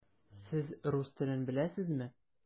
Сез рус телен беләсезме?